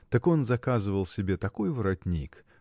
так он заказывал себе такой воротник